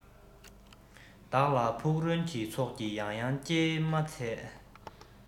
བདག ལ ཕུག རོན གྱི ཚོགས ཀྱིས ཡང ཡང སྐྱེལ མ མཛད